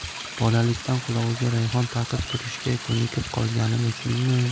bolalikdan qulog'iga rayhon taqib yurishiga ko'nikib qolganim uchunmi